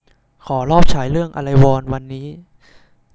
ขอรอบฉายเรื่องอะไรวอลวันนี้